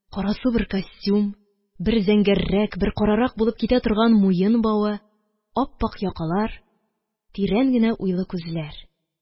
Карасу бер костюм, бер зәңгәррәк, бер карарак булып китә торган муен бавы1 , ап-пак якалар, тирән генә уйлы күзләр.